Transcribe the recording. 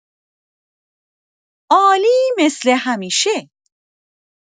عالی مثل همیشه